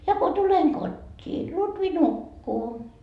ja kun tulen kotiin Lutvi nukkuu